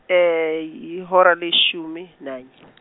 yihora leshumi, nanye.